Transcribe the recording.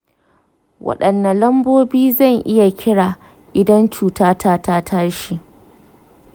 wadanne lambobi zan iya kira idan cutata ta tashi?